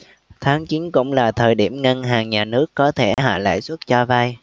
tháng chín cũng là thời điểm ngân hàng nhà nước có thể hạ lãi suất cho vay